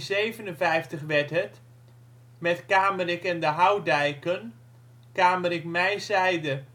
1857 werd het, met Kamerik-en-de-Houdijken, Kamerik-Mijzijde